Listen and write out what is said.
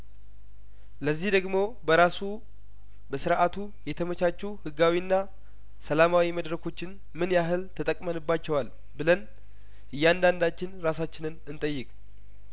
ለዚህ ደግሞ በራሱ በስርአቱ የተመቻቹ ህጋዊና ሰላማዊ መድረኮችንምን ያህል ተጠቅመንባቸዋል ብለን እያንዳንዳችን ራሳችንን እንጠይቅ